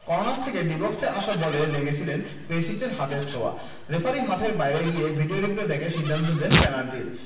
corner থেকে D বক্সে আসা বলে লেগেছিলেন পেরিসিচের হাতের ছোঁয়া রেফারি মাঠের বাইরে গিয়ে ভিডিও রিপ্লে দেখে সিদ্ধান্ত দেন পেনাল্টির